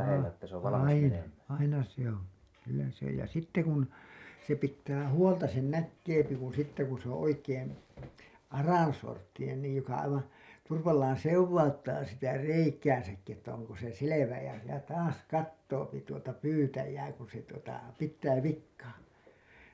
- aina aina se on kyllä se ja sitten kun se pitää huolta sen näkee kun sitten kun se on oikein aransorttinen niin joka aivan turvallaan sekauttaa sitä reikäänsäkin että onko se selvä ja ja taas katsoo tuota pyytäjää kun se tuota pitää vikaa